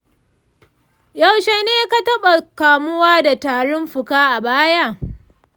yaushe ne ka taɓa kamuwa da tarin fuka a baya?